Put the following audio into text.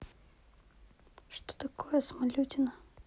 что такое смалютина